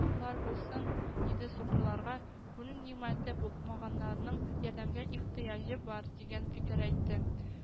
Лар булсын иде, сукырларга, күрү нигъмәте булмаганнарның ярдәмгә ихтыяҗы бар, дигән фикер әйтте